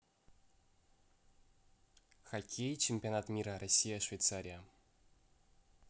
хоккей чемпионат мира россия швейцария